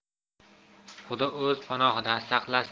xudo o'z panohida saqlasin